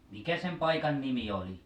mikä sen paikan nimi oli